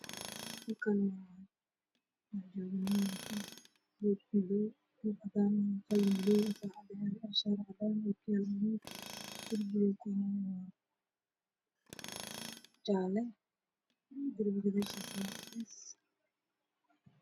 Waxaa ii muuqda nin wato shaati caddaan wakiilo midooday ah oo sabuurad wax ku qorayo